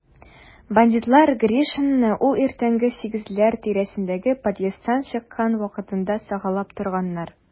Бандитлар Гришинны ул иртәнге сигезләр тирәсендә подъезддан чыккан вакытында сагалап торганнар.